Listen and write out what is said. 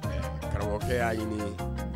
Karamɔgɔkɛ y'a ɲini ye